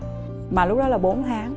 mà lúc đó là bốn tháng